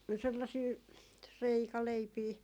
sellaisia reikäleipiä